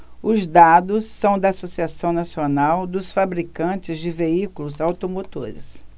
os dados são da anfavea associação nacional dos fabricantes de veículos automotores